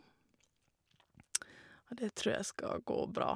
Og det tror jeg skal gå bra.